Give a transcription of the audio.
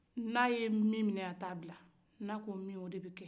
na ye mun mina a ta bila